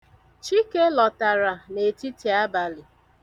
Chike lọtara n'etitiabalị.